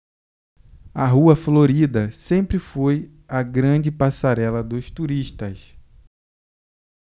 a rua florida sempre foi a grande passarela dos turistas